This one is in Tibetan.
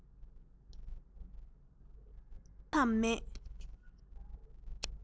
ས མཚམས མེད